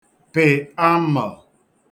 pị̀ amə̣̀